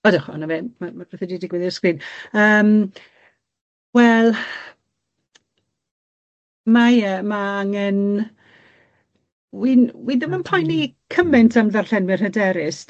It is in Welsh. Odwch o 'na fe ma' ma' pethe 'di digwydd i'r sgrin. Yym wel. Mae e ma' angen wi'n wi ddim yn poeni cyment am ddarllenwyr hyderus.